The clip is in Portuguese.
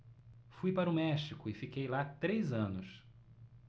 fui para o méxico e fiquei lá três anos